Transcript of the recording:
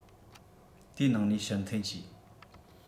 དེའི ནང ནས ཕྱིར འཐེན བྱས